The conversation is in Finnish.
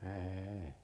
ei